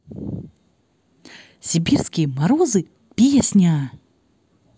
сибирские морозы песня